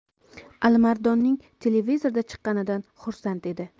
alimardonning televizorda chiqqanidan xursand edi